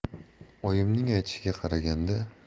oyimning aytishiga qaraganda